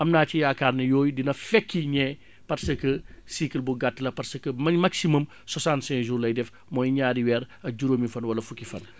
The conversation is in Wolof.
am naa ci yaakaar ne yooyu dina fekki ñee parce que cycle bu gàtt la parce que man maximum soixante cinq joursz lay def mooy ñaari weer ak juróomi fan wala fukki fan